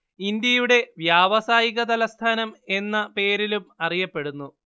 ഇന്ത്യയുടെ വ്യാവസായിക തലസ്ഥാനം എന്ന പേരിലും അറിയപ്പെടുന്നു